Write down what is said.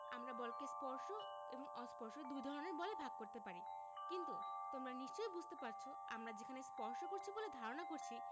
আমরা বলকে স্পর্শ এবং অস্পর্শ দুই ধরনের বলে ভাগ করতে পারি কিন্তু তোমরা নিশ্চয়ই বুঝতে পারছ আমরা যেখানে স্পর্শ করছি বলে ধারণা করছি